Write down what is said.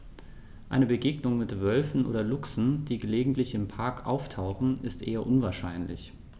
Eine Begegnung mit Wölfen oder Luchsen, die gelegentlich im Park auftauchen, ist eher unwahrscheinlich.